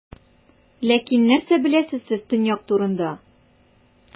Ләкин нәрсә беләсез сез Төньяк турында?